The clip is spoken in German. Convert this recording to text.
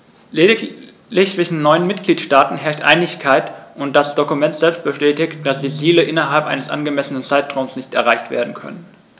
Lediglich zwischen neun Mitgliedsstaaten herrscht Einigkeit, und das Dokument selbst bestätigt, dass die Ziele innerhalb eines angemessenen Zeitraums nicht erreicht werden können.